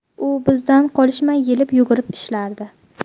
u bizdan qolishmay yelib yugurib ishlardi